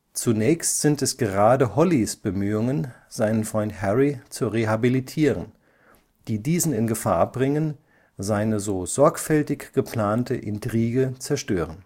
Zunächst sind es gerade Hollys Bemühungen, seinen Freund Harry zu rehabilitieren, die diesen in Gefahr bringen, seine so sorgfältig geplante Intrige zerstören